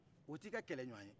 o t'i ka kɛlɛ ɲɔgɔn ye